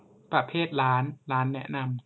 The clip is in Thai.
ประเภทร้านร้านแนะนำ